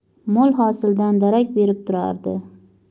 mo'l hosildan darak berib turardi